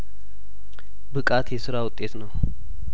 ብቃት የስራ ውጤት ነው